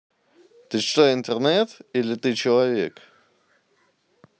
ты что интернет или ты человек